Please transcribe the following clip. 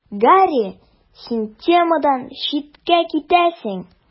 Гарри: Син темадан читкә китәсең.